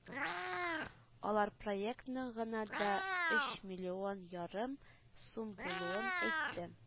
Алар проектның гына да өч миллион ярым сум булуын әйтте